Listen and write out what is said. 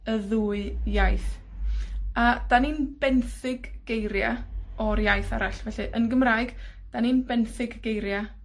y ddwy iaith. A 'dan ni'n benthyg geiria' o'r iaith arall. Felly, yn Gymraeg, 'dan ni'n benthyg geiria'